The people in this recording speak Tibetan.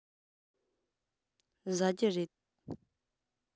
ཟ རྒྱུ རེད